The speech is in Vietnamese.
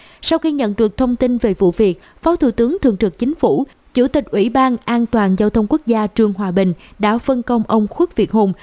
sau khi nhận được thông tin về vụ việc phó thủ tướng thường trực chính phủ chủ tịch ủy ban atgt quốc gia trương hòa bình đã phân công ông khuất việt hùng